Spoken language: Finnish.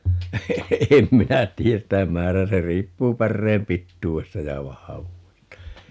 en minä tiedä sitä määrää se riippuu päreen pituudesta ja vahvuudesta